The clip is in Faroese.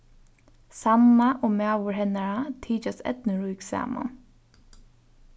sanna og maður hennara tykjast eydnurík saman